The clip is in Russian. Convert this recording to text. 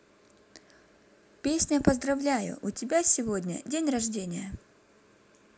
песня поздравляю у тебя сегодня день рождения